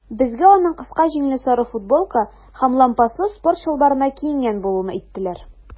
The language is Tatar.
Безгә аның кыска җиңле сары футболка һәм лампаслы спорт чалбарына киенгән булуын әйттеләр.